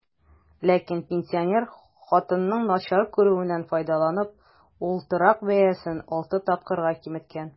Ләкин, пенсинер хатынның начар күрүеннән файдаланып, ул торак бәясен алты тапкырга киметкән.